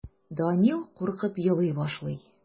Данил куркып елый башлый.